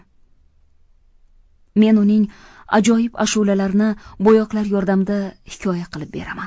men uning ajoyib ashulalarini bo'yoqlar yordamida hikoya qilib beraman